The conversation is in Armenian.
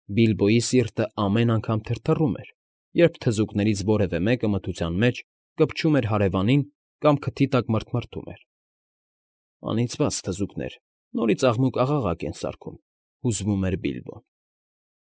Բիլբոյի սիրտը ամեն անգամ թրթռում էր, երբ թզուկներից որևէ մեկը մթության մեջ կպչում էր հարևանին կամ քթի տակ մռթմռթում էր. «Անիծված թզուկներ, նորից աղմուկ֊աղաղակ են սարքում»,֊ հուզվում էր Բիլբոն։